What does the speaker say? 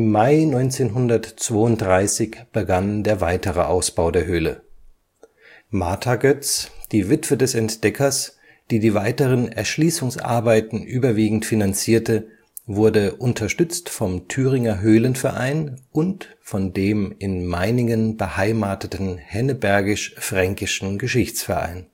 Mai 1932 begann der weitere Ausbau der Höhle. Martha Goetz, die Witwe des Entdeckers, die die weiteren Erschließungsarbeiten überwiegend finanzierte, wurde unterstützt vom Thüringer Höhlenverein und von dem in Meiningen beheimateten Hennebergisch-Fränkischen Geschichtsverein